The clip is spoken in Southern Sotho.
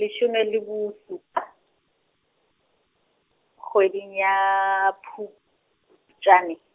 leshome le bosupa, kgweding ya Phupjane.